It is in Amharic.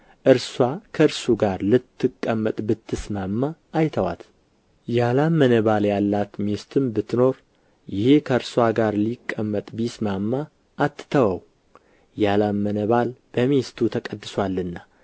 እርስዋም ከእርሱ ጋር ልትቀመጥ ብትስማማ አይተዋት ያላመነ ባል ያላት ሚስትም ብትኖር ይህ ከእርስዋ ጋር ሊቀመጥ ቢስማማ አትተወው ያላመነ ባል በሚስቱ ተቀድሶአልና